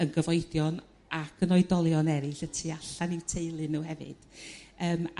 yn gyfoedion ac yn oedolion eryll y tu allan i'w teulu nhw hefyd yrm